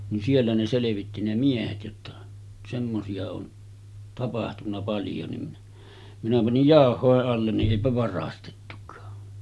niin siellä ne selvitti ne miehet jotta semmoisia on tapahtunut paljon niin minä panin jauhojen alle niin eipä varastettukaan